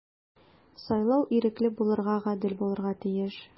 Сайлау ирекле булырга, гадел булырга тиеш.